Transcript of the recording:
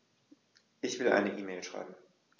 Ich will eine E-Mail schreiben.